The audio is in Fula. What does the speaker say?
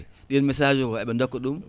?iin misaaji o heee ndokka ?um